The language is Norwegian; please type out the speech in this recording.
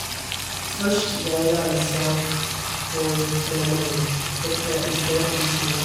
Først jeg lære selv t for tre måne for tre uker, i Kina.